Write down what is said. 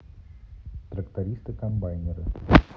трактористы комбайнеры